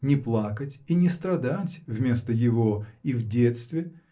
не плакать и не страдать вместо его и в детстве